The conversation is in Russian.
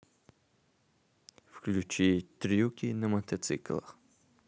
включи трюки на мотоциклах